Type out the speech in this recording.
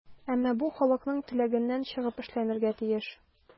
Әмма бу халыкның теләгеннән чыгып эшләнергә тиеш.